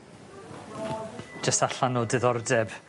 Jyst allan o ddiddordeb